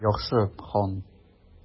Яхшы, хан.